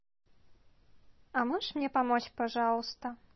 а можешь мне помочь пожалуйста